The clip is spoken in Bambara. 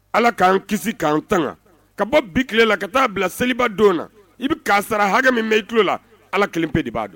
Ala k'an kisi k'an tanga ka bɔ bi ki la ka taa bila seliba don na i bɛ k'a sara hakɛ min bɛ i tulo la ala kelen pe de b'a dɔn